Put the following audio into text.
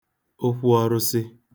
ụkwụọrụsị